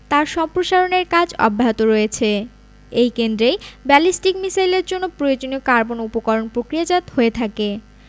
তার সম্প্রসারণের কাজ অব্যাহত রয়েছে এই কেন্দ্রেই ব্যালিস্টিক মিসাইলের জন্য প্রয়োজনীয় কার্বন উপকরণ প্রক্রিয়াজাত হয়ে থাকে